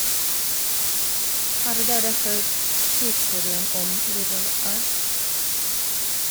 - Har dere hørt historien om Little Earth?